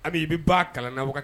A bɛ i bɛ ba kalan na kan